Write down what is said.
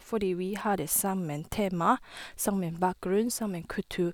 Fordi vi har det samme tema, samme bakgrunn, samme kultur.